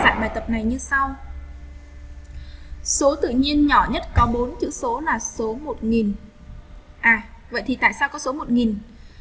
bài tập này như sau số tự nhiên nhỏ nhất có bốn chữ số là số vậy thì trả sau có số